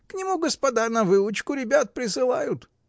— К нему господа на выучку ребят присылают.